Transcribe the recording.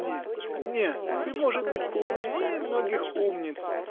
— Нет, нет, ты, может быть, поумнее многих умниц.